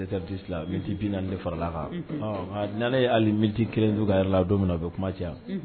7 heures 10 la minutes 40 de faral'a kan ɔ nka ni ne ye hali minute 1 t'u ka heure la don min u bɛ kuma caya